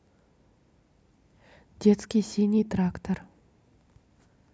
детский синий трактор